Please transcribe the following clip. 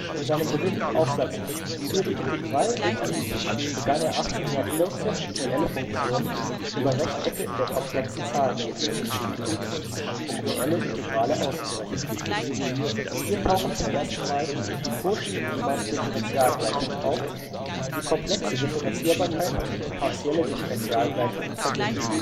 In seinem berühmten Aufsatz Sur les intégrales définies begann er 1814, reelle Funktionen über Rechtecke in der komplexen Zahlenebene zu integrieren, um reelle Integrale auszurechnen. Hier tauchen zum ersten Mal die Cauchy-Riemann-Differentialgleichungen auf, die komplexe Differenzierbarkeit und partielle Differentialgleichungen verbinden